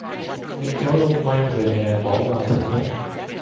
nhưng cháu luôn mang về nhà bỏ vào thùng rác